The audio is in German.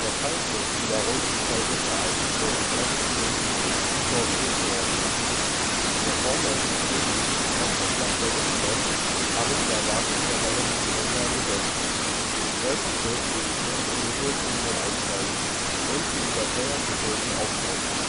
Preissturz wiederum sei durch Ereignisse im Dreißigjährigen Krieg hervorgerufen worden. Der Vormarsch der Schweden nach der Schlacht bei Wittstock habe die Erwartung der holländischen Händler gedämpft, deutsche Fürsten würden in den Tulpenhandel einsteigen und die überteuerten Tulpen aufkaufen